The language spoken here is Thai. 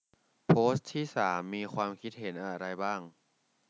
โพสต์ที่สามมีความคิดเห็นอะไรบ้าง